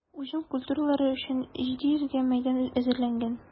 Уҗым культуралары өчен 700 га мәйдан әзерләнгән.